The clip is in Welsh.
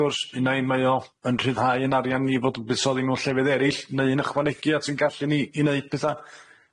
Unai mae o yn rhyddhau yn arian i fod busoddi mewn llefydd eryll neu'n ychwanegu at yn gallu ni i neud petha.